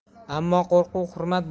ammo qo'rquv hurmat